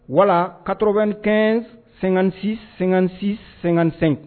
Wala kato bɛ kɛ sengasi sensin sensen